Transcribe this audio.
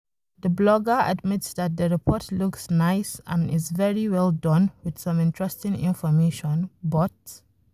The blogger admits that the report looks nice and is very well done with some interesting information, but…